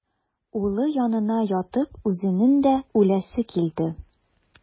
Улы янына ятып үзенең дә үләсе килде.